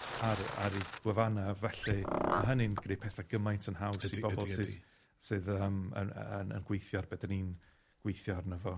ar ar ei gwefanna, felly ma' hynny'n gwneud pethe gymaint yn haws. Ydy, ydy, ydy. i bobol sydd sydd yym yn yn yn gweithio ar be' 'dan ni'n gweithio arno fo.